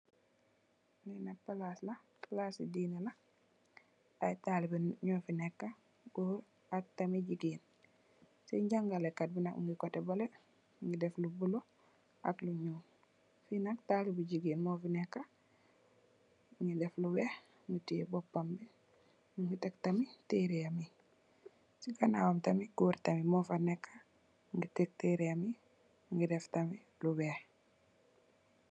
Fi nak palaas la, palaas ci deenè la, ay talibè nyo fi nekka, gòor ak tamit jigéen. Ci jàngalekat bi nak kotè balè mungi def lu bulo ak lu ñuul. Fi nak tali bu jigeen mo fi nekka mungi def lu weeh mungi tè boppam bi, mungi tekk tamit tereeh am yi. Ci ganaawam tamit gòor tamit mo fa nekka mungi tek tereeh am yi, mungi def tamit lu weeh.